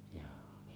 joo